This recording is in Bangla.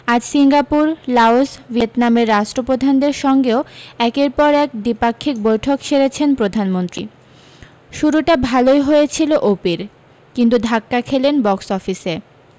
আজ সিঙ্গাপুর লাওস ভিয়েতনামের রাষ্ট্রপধানদের সঙ্গেও একের পর এক দ্বিপাক্ষিক বৈঠক সেরেছেন প্রধানমন্ত্রী শুরুটা ভালই হয়েছিলো ও পির কিন্তু ধাক্কা খেলেন বক্স অফিসে